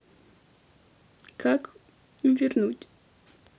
как вернуть